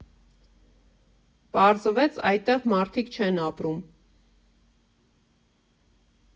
Պարզվեց՝ այդտեղ մարդիկ չեն ապրում։